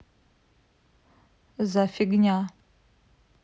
за фигня